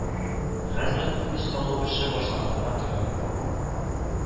Хәзер нигез салу эше башланырга тора